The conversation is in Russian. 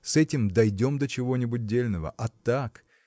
С этим дойдем до чего-нибудь дельного; а так.